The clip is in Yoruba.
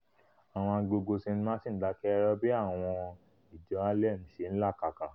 Àwọn Agogo St. Martin dákẹ́rọrọ bí Àwọn Ijò Harlem ̣ṣe n ̀làkàka.